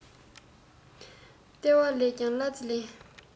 ལྟེ བ ལས ཀྱང གླ རྩི ལེན